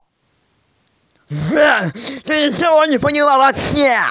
сбер ты ничего не поняла вообще